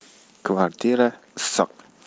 kvartira issiq